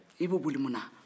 i b'i boli munna